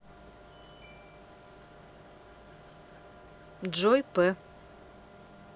joy п